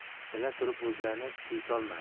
bila turib o'zlarini tiyisholmadi